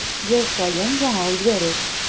Ел саен яңа үзгәреш.